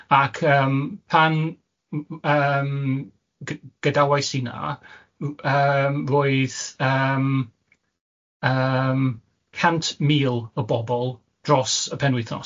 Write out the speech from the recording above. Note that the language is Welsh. Ac yym pan yym gy- gydawais i na, roedd yym yym cant mil o bobol dros y penwythnos.